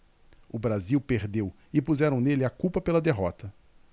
o brasil perdeu e puseram nele a culpa pela derrota